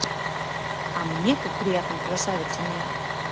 а мне как приятно красавица моя